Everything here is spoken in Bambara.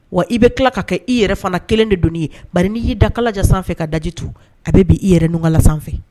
Wa i bɛ tila ka kɛ i yɛrɛ fana kelen de don ye ba n' y'i da kalajan sanfɛ ka dajitu a bɛ bi i yɛrɛ nunkala sanfɛ